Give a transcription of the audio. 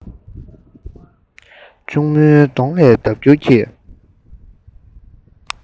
གཅུང མོའི གདོང ལས ལྡབ འགྱུར གྱིས